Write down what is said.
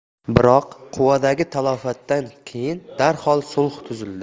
biroq quvadagi talafotdan keyin darhol sulh tuzildi